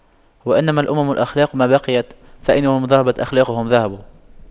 وإنما الأمم الأخلاق ما بقيت فإن هم ذهبت أخلاقهم ذهبوا